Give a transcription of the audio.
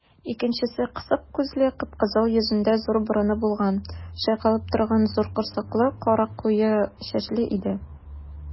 Икенчесе кысык күзле, кып-кызыл йөзендә зур борыны булган, чайкалып торган зур корсаклы, кара куе чәчле иде.